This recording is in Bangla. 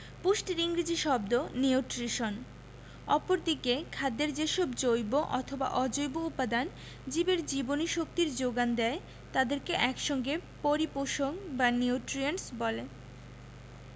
পুষ্টির ইংরেজি শব্দ নিউট্রিশন অপরদিকে খাদ্যের যেসব জৈব অথবা অজৈব উপাদান জীবের জীবনীশক্তির যোগান দেয় তাদের এক সঙ্গে পরিপোষক বা নিউট্রিয়েন্টস বলে